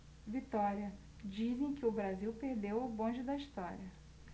vitória dizem que o brasil perdeu o bonde da história